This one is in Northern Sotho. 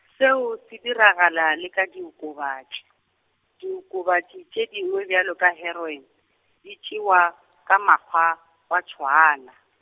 seo se diragala le ka diokobatši, diokobatši tše dingwe bjalo ka heroin, di tšewa, ka makga, wa tšhwaana.